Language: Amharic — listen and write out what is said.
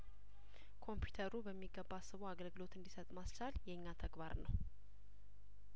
ኮምፒውተሩ በሚገባ አስቦ አገ ግሎት እንዲሰጥ ማስቻል የእኛ ተግባር ነው